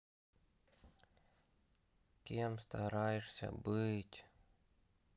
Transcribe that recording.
кем стараешься быть